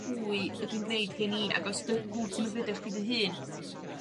Pwy ydw i'n gwneud hyn i? Ag os dy- bo' ti'm yn gneud o i chdi dy hun